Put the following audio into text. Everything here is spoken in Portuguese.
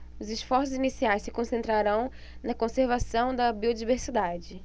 os esforços iniciais se concentrarão na conservação da biodiversidade